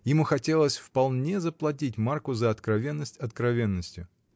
Ему хотелось вполне заплатить Марку за откровенность откровенностью.